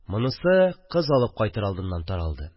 Монысы кыз алып кайтыр алдыннан таралды